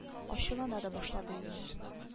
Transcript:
Ачулана да башлады инде